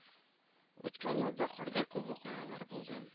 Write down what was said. Үткән елда корда күп вакыйгалар булды